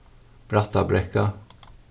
brattabrekka